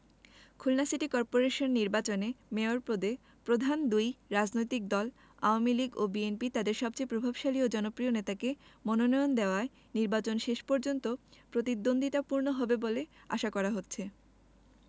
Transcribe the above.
Khulna city corporation নির্বাচনে mayor পদে প্রধান দুই রাজনৈতিক দল আওয়ামী লীগ ও বিএনপি তাদের সবচেয়ে প্রভাবশালী ও জনপ্রিয় নেতাকে মনোনয়ন দেওয়ায় নির্বাচন শেষ পর্যন্ত প্রতিদ্বন্দ্বিতাপূর্ণ হবে বলে আশা করা হচ্ছে